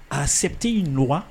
A accepté une loi